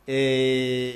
Ɛɛ